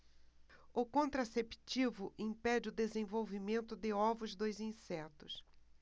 o contraceptivo impede o desenvolvimento de ovos dos insetos